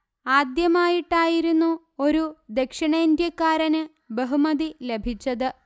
ആദ്യമായിട്ടായിരുന്നു ഒരു ദക്ഷിണേന്ത്യക്കാരന് ബഹുമതി ലഭിച്ചത്